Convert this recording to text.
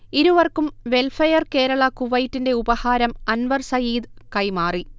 ഇരുവർക്കും വെൽഫെയർ കേരള കുവൈറ്റിന്റെ ഉപഹാരം അൻവർ സയീദ് കൈമാറി